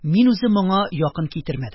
Мин үзем моңа якын китермәдем.